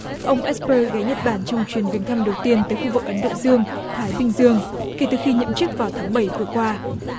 ông ét vê ghé nhật bản trong chuyến viếng thăm đầu tiên tới khu vực ấn độ dương thái bình dương kể từ khi nhậm chức vào tháng bảy vừa qua